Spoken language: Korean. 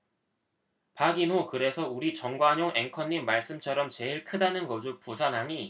박인호 그래서 우리 정관용 앵커님 말씀처럼 제일 크다는 거죠 부산항이